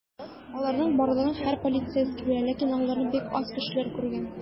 Аларның барлыгын һәр полицейский белә, ләкин аларны бик аз кешеләр күргән.